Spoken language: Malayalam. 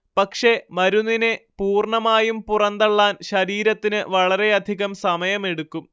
പക്ഷേ മരുന്നിനെ പൂർണ്ണമായും പുറന്തള്ളാൻ ശരീരത്തിന് വളരെയധികം സമയമെടുക്കും